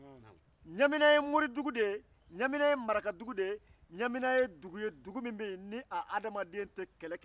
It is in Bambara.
ɲamina ye moridugu ni marakadugu ye a mɔgɔw tɛ kɛlɛ kɛ